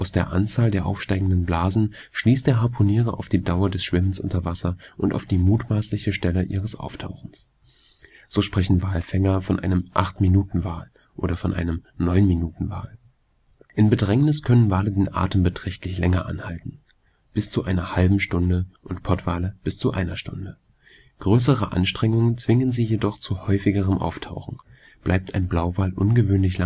der Anzahl der aufsteigenden Blasen schließt der Harpunier auf die Dauer des Schwimmens unter Wasser und auf die mutmaßliche Stelle ihres Auftauchens. So sprechen Walfänger von einem „ Acht-Minuten-Wal “oder von einem „ Neun-Minuten-Wal “. In Bedrängnis können Wale den Atem beträchtlich länger anhalten, bis zu einer halben Stunde und Pottwale bis zu einer Stunde. Größere Anstrengungen zwingen sie jedoch zu häufigerem Auftauchen. Bleibt ein Blauwal ungewöhnlich